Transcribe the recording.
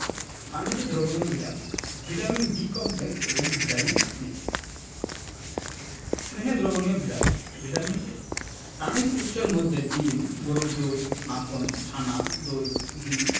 পানিতে দ্রবণীয় vitamin vitamin B complex এবং ভিটামিন C স্নেহে দ্রবণীয় ভিটামিন ভিটামিন A প্রাণিজ উৎসের মধ্যে ডিম গরুর দুধ মাখন ছানা দই ঘি